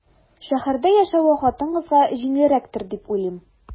Шәһәрдә яшәве хатын-кызга җиңелрәктер дип уйлыйм.